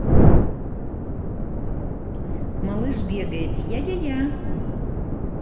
малыш бегает яяя